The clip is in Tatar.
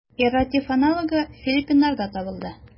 Эрратив аналогы филиппиннарда табылды.